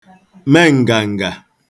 me ǹgàǹgà